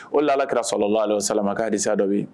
O lakira sɔrɔla la sama kadisa dɔ bi yen